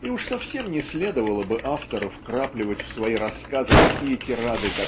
И уж совсем не следовало бы автору вкрапливать в свои рассказы такие тирады